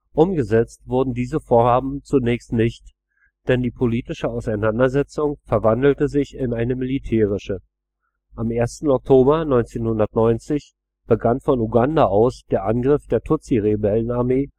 Umgesetzt wurden diese Vorhaben zunächst nicht, denn die politische Auseinandersetzung verwandelte sich in eine militärische – am 1. Oktober 1990 begann von Uganda aus der Angriff der Tutsi-Rebellenarmee